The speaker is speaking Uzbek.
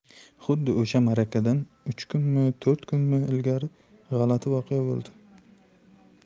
xuddi o'sha marakadan uch kunmi to'rt kun ilgari g'alati voqea bo'ldi